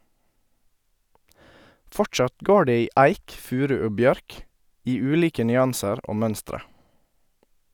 Fortsatt går det i eik, furu og bjørk - i ulike nyanser og mønstre.